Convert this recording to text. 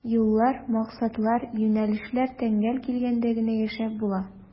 Юллар, максатлар, юнәлешләр тәңгәл килгәндә генә яшәп була.